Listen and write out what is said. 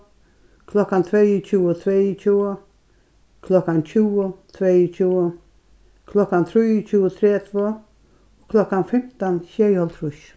klokkan tveyogtjúgu tveyogtjúgu klokkan tjúgu tveyogtjúgu klokkan trýogtjúgu tretivu klokkan fimtan sjeyoghálvtrýss